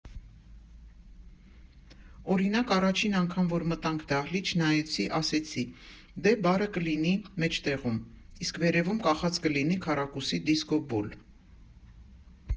Օրինակ՝ առաջին անգամ, որ մտանք դահլիճ, նայեցի, ասեցի՝ դե բարը կլինի մեջտեղում, իսկ վերևում կախած կլինի քառակուսի դիսկո֊բոլ։